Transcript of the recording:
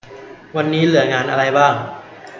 วันนี้เหลืองานอะไรบ้าง